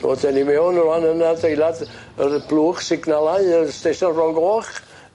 Wel 'dyn ni rŵan yn adeilad yr blwch signalau yr stesion Fron Boch.